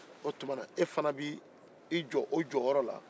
o tuma na e fana bɛ i jɔ o jɔyɔrɔ la